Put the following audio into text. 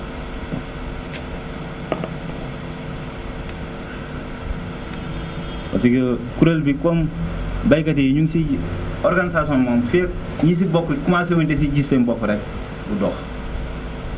parce que kuréel bi comme baykat yi ñu ngi siy organisation bi moom feeg ñi si bokk commencé wu ñu di si gis seen bopp rek du dox